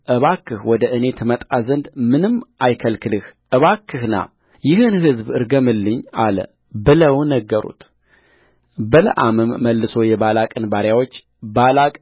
እባክህ ወደ እኔ ትመጣ ዘንድ ምንም አይከልክልህ እባክህ ና ይህን ሕዝብ ርገምልኝ አለ ብለው ነገሩትበለዓምም መልሶ የባላቅን ባሪያዎች ባላቅ